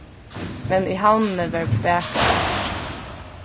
men í havnini var bakari